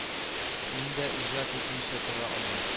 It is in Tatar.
Мин дә иҗат итмичә тора алмыйм